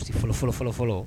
Parce fɔlɔ fɔlɔ fɔlɔ fɔlɔ